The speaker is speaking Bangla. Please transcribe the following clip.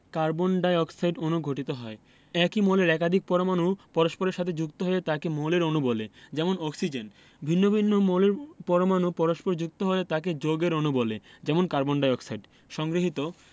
কার্বন ডাই অক্সাইড অণু গঠিত হয় একই মৌলের একাধিক পরমাণু পরস্পরের সাথে যুক্ত হলে তাকে মৌলের অণু বলে যেমন অক্সিজেন ভিন্ন ভিন্ন মৌলের পরমাণু পরস্পর যুক্ত হলে তাকে যৌগের অণু বলে যেমন কার্বন ডাই অক্সাইড সংগৃহীত